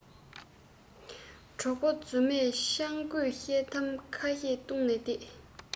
གྲོགས པོ རྫུན མས ཆང རྒོད ཤེལ དམ ཁ ཤས བཏུང ནས བསྡད